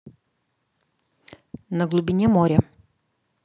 на глубине моря